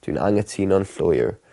Dwi'n angytuno'n llwyr.